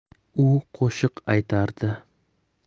u qo'shiq aytardi